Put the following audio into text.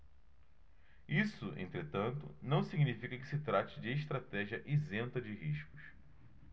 isso entretanto não significa que se trate de estratégia isenta de riscos